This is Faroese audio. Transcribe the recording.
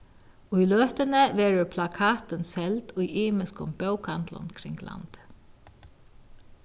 í løtuni verður plakatin seld í ymiskum bókahandlum kring landið